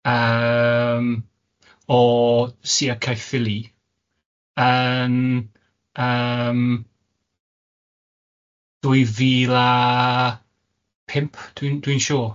yym o Sir Caerphilly yn, yym dwy fil a pump dwi'n dwi'n siŵr.